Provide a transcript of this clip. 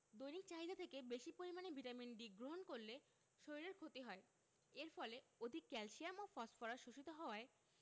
দৈনিক চাহিদা থেকে বেশী পরিমাণে ভিটামিন D গ্রহণ করলে শরীরের ক্ষতি হয় এর ফলে অধিক ক্যালসিয়াম ও ফসফরাস শোষিত হওয়ায়